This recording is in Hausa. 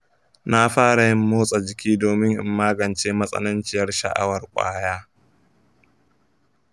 na fara yin motsa jiki domin in magance matsananciyar sha'awar ƙwaya.